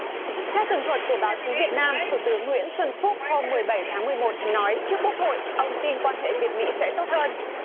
theo tường thuật của báo chí việt nam thủ tướng nguyễn xuân phúc hôm mười bảy tháng mười một nói trước quốc hội ông tin quan hệ việt mỹ sẽ tốt hơn